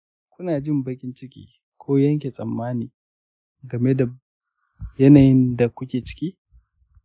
kuna jin bakin ciki ko yanke tsammani game da yanayin da kuke ciki?